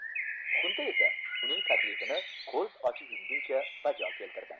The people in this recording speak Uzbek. xunta esa uning taklifini ko'z ochib yumguncha bajo keltirdi